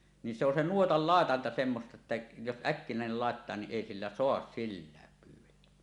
niin se on nuotan laitanta semmoista että jos äkkinäinen laittaa niin ei sillä saa silläkään kyllä